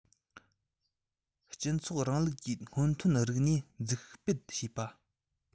སྤྱི ཚོགས རིང ལུགས ཀྱི སྔོན ཐོན རིག གནས འཛུགས སྤེལ བྱེད པ